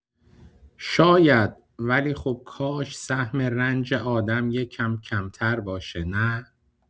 شاید، ولی خب کاش سهم رنج آدم یه کم کمتر باشه، نه؟